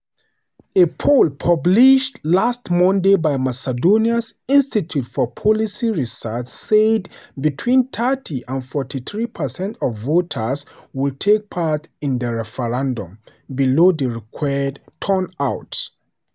A poll published last Monday by Macedonia's Institute for Policy Research said between 30 and 43 percent of voters would take part in the referendum - below the required turnout.